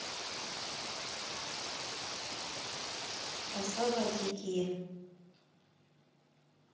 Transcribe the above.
красава дикие